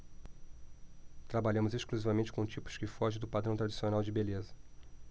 trabalhamos exclusivamente com tipos que fogem do padrão tradicional de beleza